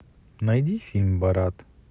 найди фильм борат